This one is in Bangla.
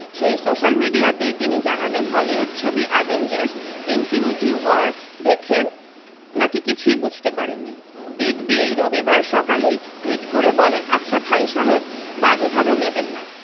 সেই সোশ্যাল মিডিয়াতেই তিনি জানালেন হলিউড ছবি অ্যাভেঞ্জার্স ইনফিনিটি ওয়ার দেখে নাকি কিছুই বুঝতে পারেননি বিগ বি রবিবার সকালেই টুইট করে বলেন আচ্ছা ভাই সাহেব বাজে ভাবে নেবেন না